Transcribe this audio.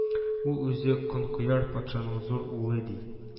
Ул үзе Канкояр патшаның зур улы, ди